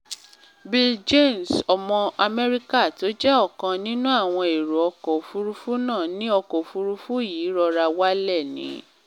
Bill Jaynes, ọmọ Amẹ́ríkà to jẹ́ ọ̀kan nínú àwọn èrò ọkọ̀-òfúrufú náà, ní ọkọ̀-òfúrufú yìí rọra wálẹ̀ ni.